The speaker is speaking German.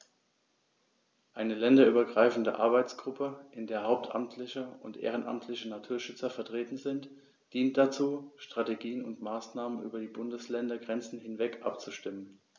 Eine länderübergreifende Arbeitsgruppe, in der hauptamtliche und ehrenamtliche Naturschützer vertreten sind, dient dazu, Strategien und Maßnahmen über die Bundesländergrenzen hinweg abzustimmen.